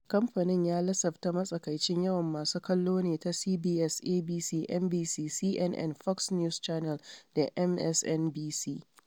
Kamfanin ya lasafta matsakaicin yawan masu kallo ne ta CBS, ABC, NBC, CNN, Fox News Channel da MSNBC.